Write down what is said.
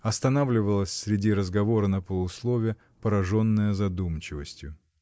останавливалась среди разговора на полуслове, пораженная задумчивостью.